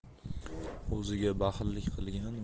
o'ziga baxillik qilgan